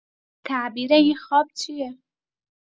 تعبیر این خواب چیه؟